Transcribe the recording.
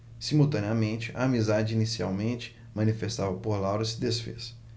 simultaneamente a amizade inicialmente manifestada por laura se disfez